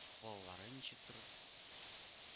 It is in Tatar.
Балалары ничек торыр